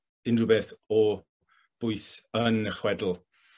unryw beth o bwys yn y chwedl.